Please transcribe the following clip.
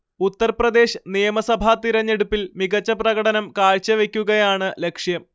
ഉത്തർപ്രദേശ് നിയമസഭാ തിരഞ്ഞെടുപ്പിൽ മികച്ച പ്രകടനം കാഴ്ചവെക്കുകയാണ് ലക്ഷ്യം